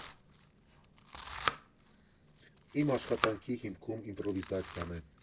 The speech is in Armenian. Իմ աշխատանքի հիմքում իմպրովիզացիան է։